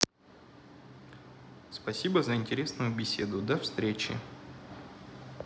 спасибо за интересную беседу до встречи